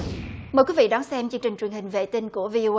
mời quý vị đón xem chương trình truyền hình vệ tinh của vi ô